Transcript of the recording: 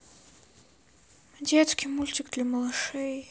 детский мультик для малышей